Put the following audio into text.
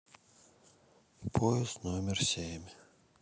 подъезд номер семь